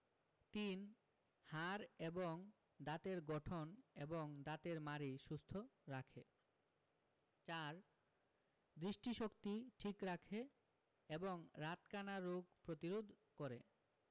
৩. হাড় এবং দাঁতের গঠন এবং দাঁতের মাড়ি সুস্থ রাখে ৪. দৃষ্টিশক্তি ঠিক রাখে এবং রাতকানা রোগ প্রতিরোধ করে